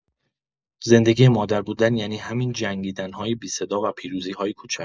زندگی مادر بودن یعنی همین جنگیدن‌های بی‌صدا و پیروزی‌های کوچک.